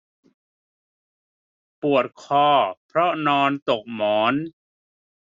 ปวดคอเพราะนอนตกหมอน